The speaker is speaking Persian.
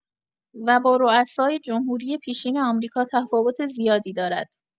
و با روسای جمهوری پیشین آمریکا تفاوت زیادی دارد.